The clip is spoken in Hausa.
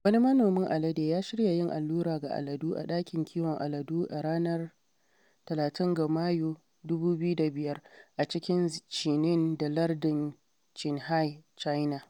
Wani manomin alade ya shirya yin allura ga aladu a ɗakin kiwon aladu a ranar 30 ga Mayu, 2005 a cikin Xining da Lardin Qinghai, China.